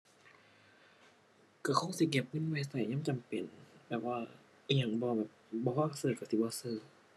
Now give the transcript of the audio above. ก็คงสิเก็บเงินไว้ก็ยามจำเป็น แบบว่าอิหยังบ่แบบ บ่พอซื้อก็สิบ่ซื้อ